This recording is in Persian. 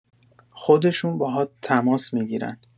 خودشون باهات تماس می‌گیرن